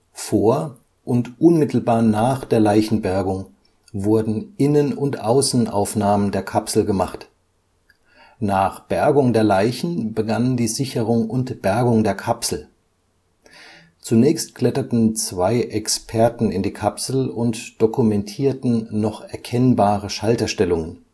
Vor und unmittelbar nach der Leichenbergung wurden Innen - und Außenaufnahmen der Kapsel gemacht. Nach Bergung der Leichen begann die Sicherung und Bergung der Kapsel. Zunächst kletterten zwei Experten in die Kapsel und dokumentierten noch erkennbare Schalterstellungen